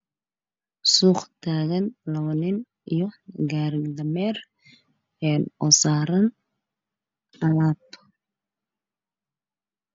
Meeshaan waa meel suuq ganacsi waxaa maraayo dameerka reer ka saarantahay ayaa ii muuqdo